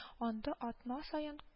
Анда атна саен